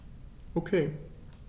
Okay.